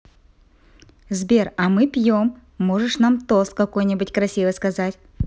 сбер а мы пьем можешь нам тост какой нибудь красивый сказать